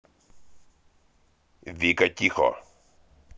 вика тихо